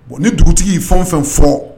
Bon ni dugutigi fɛn fɛn fɔlɔ